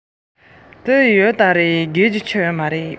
ཡོད པས དགོད རྒྱུ ཅི ཡོད ཟེར